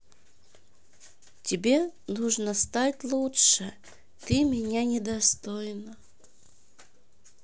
тебе нужно стать лучше ты меня недостойна